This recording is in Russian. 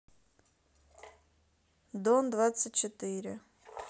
дон двадцать четыре